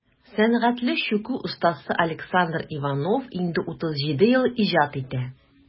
Сәнгатьле чүкү остасы Александр Иванов инде 37 ел иҗат итә.